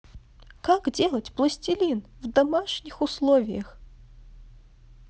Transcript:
как делать пластилин в домашних условиях